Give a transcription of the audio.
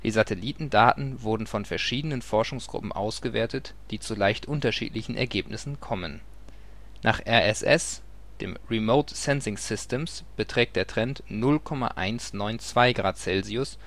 Satellitendaten wurden von verschiedenen Forschungsgruppen ausgewertet, die zu leicht unterschiedlichen Ergebnissen kommen. Nach RSS (Remote Sensing Systems) beträgt der Trend 0,192 °C